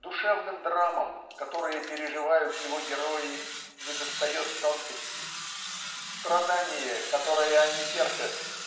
Душевным драмам, которые переживают его герои, недостает тонкости. Страдание которое они терпят